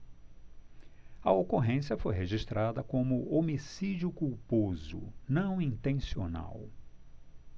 a ocorrência foi registrada como homicídio culposo não intencional